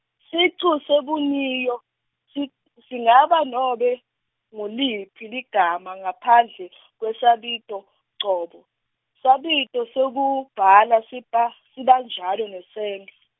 sicu sebuniyo si-, singaba nobe nguliphi ligama ngaphandle , kwesabitocobo, sabito sekubala siba, sibanjalo nesento.